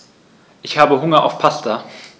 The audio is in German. Ich habe Hunger auf Pasta.